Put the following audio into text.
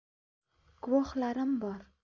guvohlarim bor